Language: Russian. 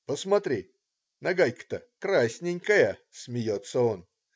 "Посмотри, нагайка-то красненькая!" - смеется он.